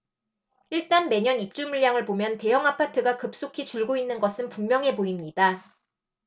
일단 매년 입주 물량을 보면 대형아파트가 급속히 줄고 있는 것은 분명해 보입니다